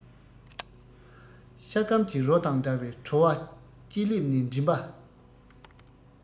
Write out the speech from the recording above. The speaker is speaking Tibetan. ཤ སྐམ གྱི རོ དང འདྲ བའི བྲོ བ ལྕེ ལེབ ནས མགྲིན པ